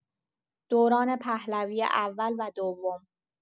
دوران پهلوی اول و دوم